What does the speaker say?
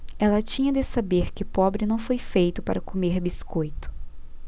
ela tinha de saber que pobre não foi feito para comer biscoito